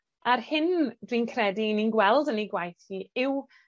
A'r hyn dwi'n credu ni'n gweld yn 'i gwaith hi yw